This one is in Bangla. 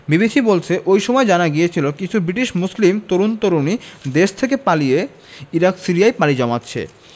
বিবিসি বলছে ওই সময়ই জানা গিয়েছিল কিছু ব্রিটিশ মুসলিম তরুণ তরুণী দেশ থেকে পালিয়ে ইরাক সিরিয়ায় পাড়ি জমাচ্ছে